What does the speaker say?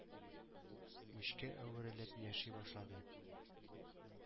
Үчкә әверелеп яши башлады.